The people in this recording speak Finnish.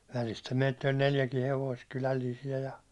välistä meitä oli neljäkin hevosta kylällisiä ja